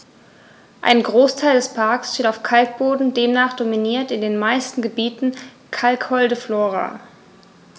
Ein Großteil des Parks steht auf Kalkboden, demnach dominiert in den meisten Gebieten kalkholde Flora.